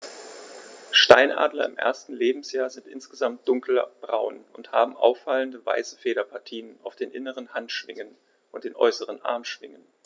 Steinadler im ersten Lebensjahr sind insgesamt dunkler braun und haben auffallende, weiße Federpartien auf den inneren Handschwingen und den äußeren Armschwingen.